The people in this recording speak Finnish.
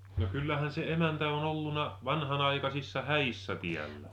no kyllähän se emäntä on ollut vanhanaikaisissa häissä täällä